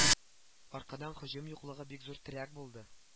Аркадан һөҗүм юклыгы бик зур терәк булды